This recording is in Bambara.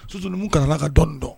Summu kana ka dɔn dɔn